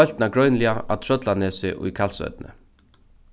heilt nágreiniliga á trøllanesi í kalsoynni